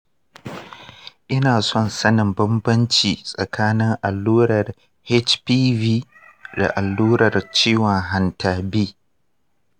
ina son sanin bambanci tsakanin allurar hpv da allurar ciwon hanta b.